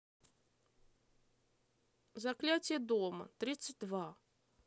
заклятие дома тридцать два